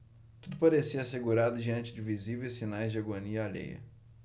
tudo parecia assegurado diante de visíveis sinais de agonia alheia